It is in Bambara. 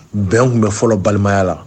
U bɛn tun bɛ fɔlɔ balimaya la